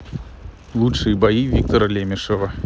лучшие бои виктора лемишева